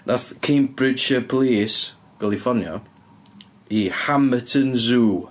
Wnaeth Cambridgeshire Police gael eu ffonio i Hamerton Zoo.